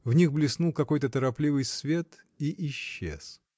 В них блеснул какой-то торопливый свет и исчез.